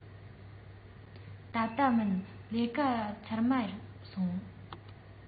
ད ལྟ མིན ལས ཀ ཚར མ སོང